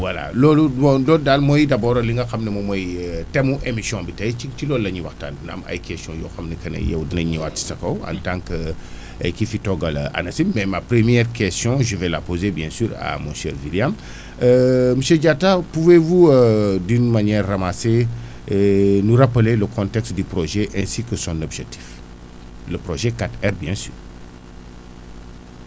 voilà loolu bon loolu daal mooy d' abord li nga xam e moom mooy thème mu émission bi tey ci ci loolu la ñuy waxtaan na am ay questions yoo xam ni que ne yow dinañ ñëwaat si sa kaw en tant que ki fi toogal ANACIM mais ma première question je vais la poser bien sur à mon cher William monsieur Diatta pouvez vous d' manière ramassée nous rappeler le contexte du projet ainsi que son objectif le projet 4R bien sur